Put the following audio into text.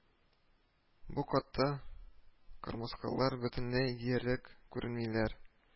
Бу катта кырмыскалар бөтенләй диярлек күрмиләр